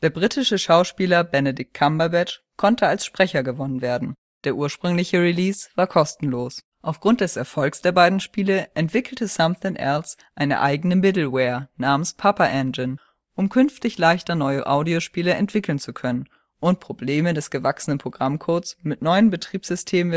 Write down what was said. britische Schauspieler Benedict Cumberbatch konnte als Sprecher gewonnen werden, der ursprüngliche Release war kostenlos. Aufgrund des Erfolgs der beiden Spiele entwickelte Somethin’ Else eine eigene Middleware namens Papa Engine, um künftig leichter neue Audio-Spiele entwickeln zu können und Probleme des gewachsenen Programmcodes mit neuen Betriebssystem-Versionen